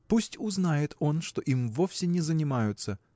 Пусть узнает он, что им вовсе не занимаются!